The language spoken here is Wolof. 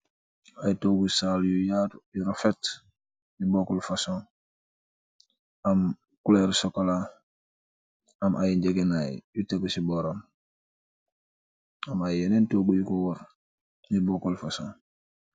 ay toogu saal u yaatu yu rafet yu bokkle fason am kuleer sokola am ay njegenaay yu tegu ci boram am ay yeneen toogu yu ko wor yu bokkle fason